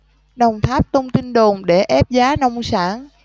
đồng tháp tung tin đồn để ép giá nông sản